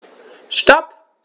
Stop.